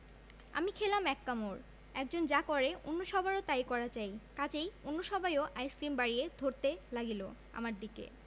আমি খেলাম এক কামড় একজন যা করে অন্য সবারও তাই করা চাই কাজেই অন্য সবাইও আইসক্রিম বাড়িয়ে ধরতে লাগিল আমার দিকে